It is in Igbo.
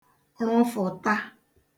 rụfụ̀ta